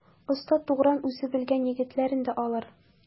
Оста Тугран үзе белән егетләрен дә алыр.